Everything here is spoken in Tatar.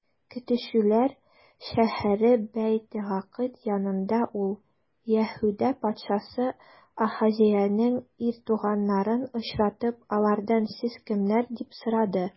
Көтүчеләр шәһәре Бәйт-Гыкыд янында ул, Яһүдә патшасы Ахазеянең ир туганнарын очратып, алардан: сез кемнәр? - дип сорады.